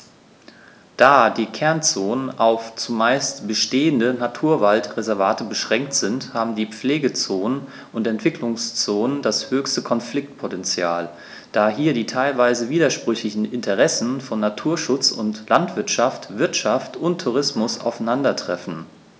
Da die Kernzonen auf – zumeist bestehende – Naturwaldreservate beschränkt sind, haben die Pflegezonen und Entwicklungszonen das höchste Konfliktpotential, da hier die teilweise widersprüchlichen Interessen von Naturschutz und Landwirtschaft, Wirtschaft und Tourismus aufeinandertreffen.